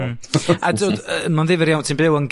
Hmm. A t'od yy ma'n ddifyr iawn ti'n byw yn